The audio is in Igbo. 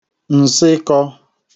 ǹsịkọ̄